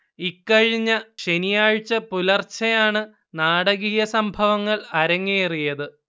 ഇക്കഴിഞ്ഞ ശനിയാഴ്ച പുലർച്ചയാണ് നാടകീയ സംഭവങ്ങൾ അരങ്ങറേിയത്